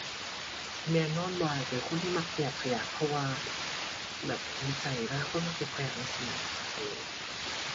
แน่นอนว่าเป็นคนที่มักแยกขยะ เพราะว่าแบบเห็นใจเวลาคนมาเก็บขยะจั่งซี้แหม เอ้อ คิด